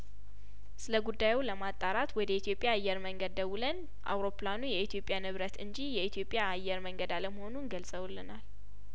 ስለጉዳዩ ለማጣራት ወደ ኢትዮጵያአየር መንገድ ደውለን አውሮፕላኑ የኢትዮጵያ ንብረት እንጂ የኢትዮጵያ አየር መንገድ አለመሆኑን ገለጸውልናል